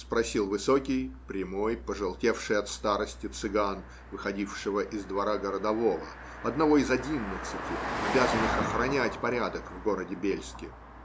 - спросил высокий, прямой, пожелтевший от старости цыган выходившего из двора городового, одного из одиннадцати, обязанных охранять порядок в городе Бельске.